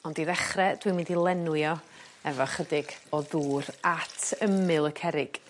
ond i ddechre dwi'n mynd i lenwi o efo chydig o ddŵr at ymyl y cerrig.